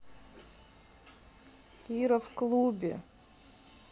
ира в клубе